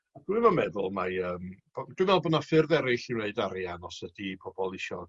dwi'm yn meddwl mae yym bo- dwi me'wl bo' 'na ffyrdd eryll i wneud arian os ydi pobol isio